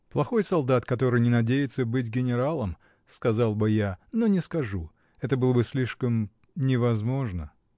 — Плохой солдат, который не надеется быть генералом, сказал бы я, но не скажу: это было бы слишком. невозможно.